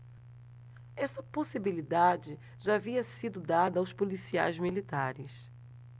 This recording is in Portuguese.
essa possibilidade já havia sido dada aos policiais militares